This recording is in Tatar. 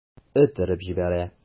Эт өреп җибәрә.